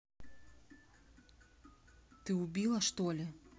ты убила что ли